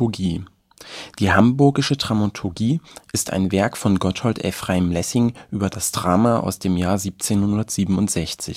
Die Hamburgische Dramaturgie ist ein Werk von Gotthold Ephraim Lessing über das Drama aus dem Jahr 1767. Es ist